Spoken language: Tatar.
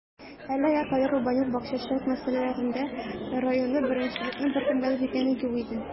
Әлегә кадәр Рубанюк бакчачылык мәсьәләләрендә районда беренчелекне беркемгә дә биргәне юк иде.